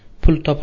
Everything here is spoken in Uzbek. pul topib